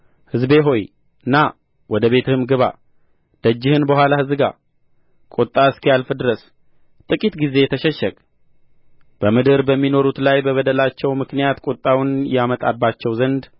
ሕዝቤ ሆይ ና ወደ ቤትህም ግባ ደጅህን በኋላህ ዝጋ ቍጣ እስኪያልፍ ድረስ ጥቂት ጊዜ ተሸሸግ በምድር በሚኖሩት ላይ በበደላቸው ምክንያት ቍጣውን ያመጣባቸው ዘንድ